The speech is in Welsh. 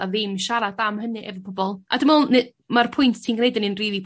a ddim siarad am hynny efo pobol. A dwi me'wl ni- ma'r pwynt ti'n gneud ynny'n rili